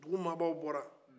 dugu maabaw bɔra